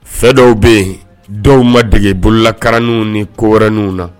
Fɛ dɔw bɛ yen dɔw ma degege bololakaraninw ni ko wɛrɛrinw na